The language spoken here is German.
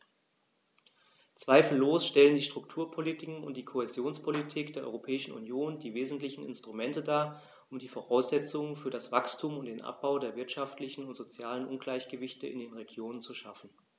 Zweifellos stellen die Strukturpolitiken und die Kohäsionspolitik der Europäischen Union die wesentlichen Instrumente dar, um die Voraussetzungen für das Wachstum und den Abbau der wirtschaftlichen und sozialen Ungleichgewichte in den Regionen zu schaffen.